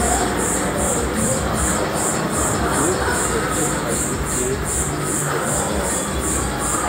รู้สึกเจ็บหัวใจจี๊ดจี๊ดเหมือนเข็มแทง